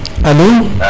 alo